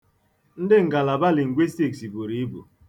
Ndị Ngalaba Lingwistiks buru ibu.